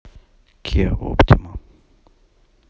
киа оптима